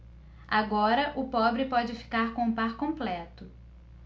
agora o pobre pode ficar com o par completo